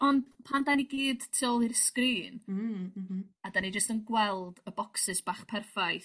Ond pan 'dan ni gyd tu ôl i'r sgrin... Mmm m-hm. ...a 'dan ni jyst yn gweld y bocsys bach perffaith